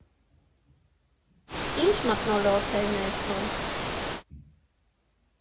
Ի՞նչ մթնոլորտ էր ներսում։